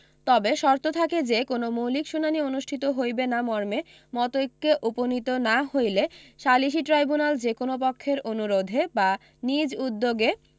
তবে শর্ত থাকে যে কোন মৌখিক শুনানী অনুষ্ঠিত হইবে না মর্মে মতৈক্যে উপণীত না হইলে সালিসী ট্রাইব্যুনাল যে কোন পক্ষের অনুরোধে বা নিজ উদ্যোগে